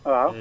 waaw